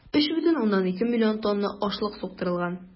3,2 млн тонна ашлык суктырылган.